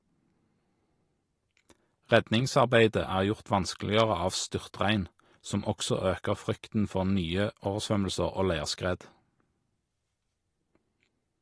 Redningsarbeidet er gjort vanskeligere av styrtregn, som også øker frykten for nye oversvømmelser og leirskred.